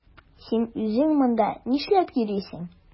Син үзең монда нишләп йөрисең?